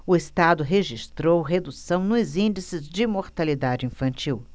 o estado registrou redução nos índices de mortalidade infantil